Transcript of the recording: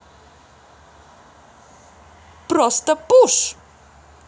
просто пуш